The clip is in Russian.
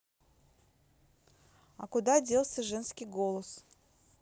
а куда делся женский голос